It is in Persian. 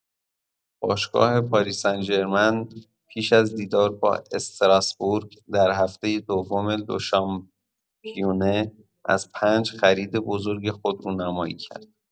باشگاه پاری‌سن‌ژرمن پیش از دیدار با استراسبورگ در هفته دوم لوشامپیونه از ۵ خرید بزرگ خود رونمایی کرد.